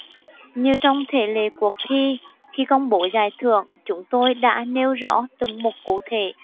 như trong thể lệ cuộc thi khi công bố giải thưởng chúng tôi đã nêu rõ từng mục cụ thể